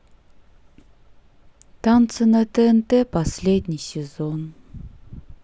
танцы на тнт последний сезон